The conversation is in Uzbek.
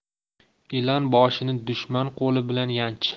ilon boshini dushman qo'li bilan yanch